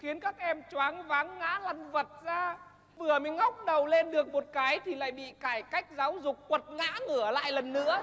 khiến các em choáng váng ngã lăn vật ra vừa mới ngóc đầu lên được một cái thì lại bị cải cách giáo dục quật ngã ngửa lại lần nữa